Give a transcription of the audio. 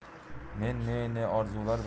men ne ne orzular bilan